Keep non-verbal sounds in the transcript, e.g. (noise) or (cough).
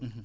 (hesitation) (hesitation)